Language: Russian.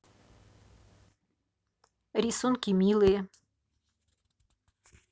рисунки милые